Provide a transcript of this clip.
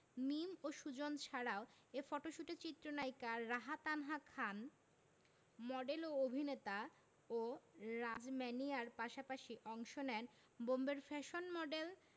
মিম ও সুজন ছাড়াও এ ফটোশ্যুটে চিত্রনায়িকা রাহা তানহা খান মডেল ও অভিনেতা ও রাজ ম্যানিয়ার পাশাপাশি অংশ নেন বোম্বের ফ্যাশন মডেল